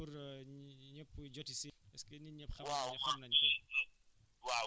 est ce que yooyu jot ci nag pour nit ñi ñëpp jote si est ce que nit ñi